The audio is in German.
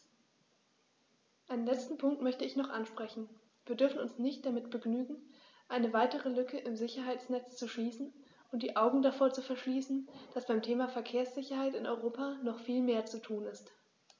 Einen letzten Punkt möchte ich noch ansprechen: Wir dürfen uns nicht damit begnügen, eine weitere Lücke im Sicherheitsnetz zu schließen und die Augen davor zu verschließen, dass beim Thema Verkehrssicherheit in Europa noch viel mehr zu tun ist.